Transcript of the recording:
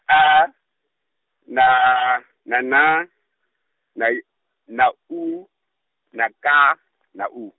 A, na a a nana- nai-, na U na K na U.